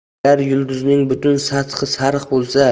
agar yulduzning butun sathi sariq